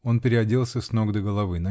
Он переоделся с ног до головы.